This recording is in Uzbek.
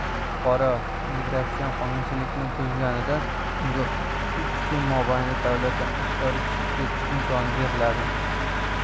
fuqaro migratsion qonunchilikni buzganida unga uch kun mobaynida davlatdan ixtiyoriy chiqib ketish imkoni beriladi